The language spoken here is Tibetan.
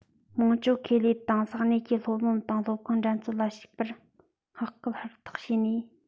དམངས སྤྱོད ཁེ ལས དང ས གནས ཀྱི སློབ གླིང དང སློབ ཁང འགྲན རྩོད ལ ཞུགས པར བསྔགས སྐུལ ཧུར ཐག བྱས ནས